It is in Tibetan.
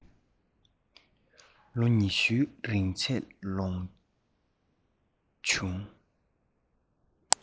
ལོ ཉི ཤུའི རིང འཚར ལོངས བྱུང